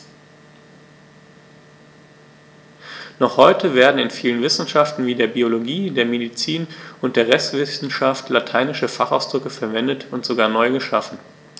Noch heute werden in vielen Wissenschaften wie der Biologie, der Medizin und der Rechtswissenschaft lateinische Fachausdrücke verwendet und sogar neu geschaffen.